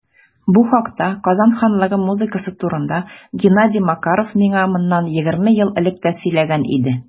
Бу хакта - Казан ханлыгы музыкасы турында - Геннадий Макаров миңа моннан 20 ел элек тә сөйләгән иде.